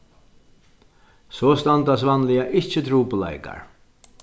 so standast vanliga ikki trupulleikar